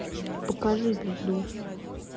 покажи пизду